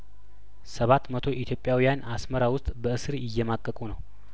ሰባት መቶ ኢትዮጵያውያን አስመራ ውስጥ በእስር እየማቀቁ ነው